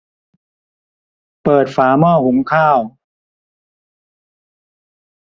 เปิดฝาหม้อหุงข้าว